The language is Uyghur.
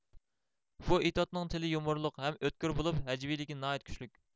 بۇ ئېتوتنىڭ تىلى يۇمۇرلۇق ھەم ئۆتكۈر بولۇپ ھەجۋىيلىكى ناھايىتى كۈچلۈك